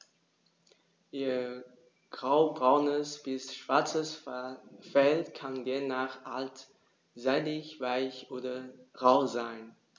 Ihr graubraunes bis schwarzes Fell kann je nach Art seidig-weich oder rau sein.